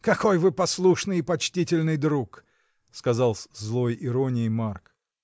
— Какой вы послушный и почтительный друг! — сказал с злой иронией Марк.